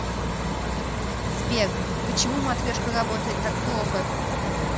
сбер почему матрешка работает так плохо